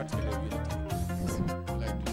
Wa